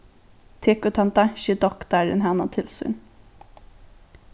tekur tann danski doktarin hana til sín